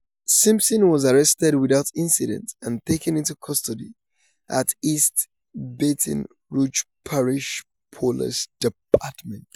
Simpson was arrested without incident and taken into custody at East Baton Rouge Parish Police Department.